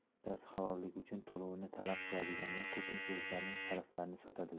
bittasi halolligi uchun to'lovni talab qiladiganlar ko'pincha o'zlarining sharaflarini sotadilar